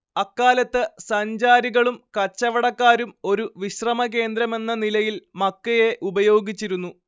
അക്കാലത്ത് സഞ്ചാരികളും കച്ചവടക്കാരും ഒരു വിശ്രമ കേന്ദ്രമെന്ന നിലയിൽ മക്കയെ ഉപയോഗിച്ചിരുന്നു